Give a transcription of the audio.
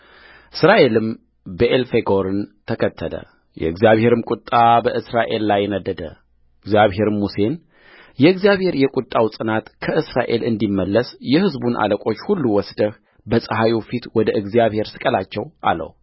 እስራኤልም ብዔልፌጎርን ተከተለ የእግዚአብሔርም ቍጣ በእስራኤል ላይ ነደደእግዚአብሔርም ሙሴን የእግዚአብሔር የቍጣው ጽናት ከእስራኤል እንዲመለስ የሕዝቡን አለቆች ሁሉ ወስደህ በፀሐዩ ፊት ወደ እግዚአብሔር ስቀላቸው አለው